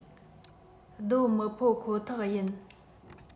སྡོད མི ཕོད ཁོ ཐག ཡིན